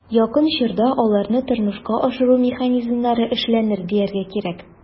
Якын чорда аларны тормышка ашыру механизмнары эшләнер, дияргә кирәк.